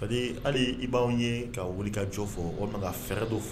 Sabu hali i b'awanw ye ka wuli ka jɔ fɔ o ma ka fɛɛrɛ dɔ fɔ